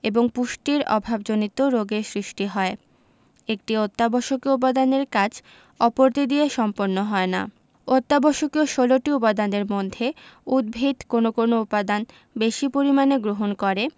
এবং পুষ্টির অভাবজনিত রোগের সৃষ্টি হয় একটি অত্যাবশ্যকীয় উপাদানের কাজ অপরটি দিয়ে সম্পন্ন হয় না অত্যাবশ্যকীয় ১৬ টি উপাদানের মধ্যে উদ্ভিদ কোনো কোনো উপাদান বেশি পরিমাণে গ্রহণ করে